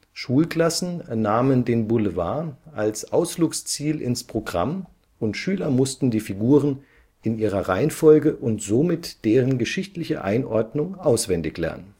Schulklassen nahmen den Boulevard als Ausflugsziel ins Programm und Schüler mussten die Figuren in ihrer Reihenfolge und somit deren geschichtliche Einordnung auswendig lernen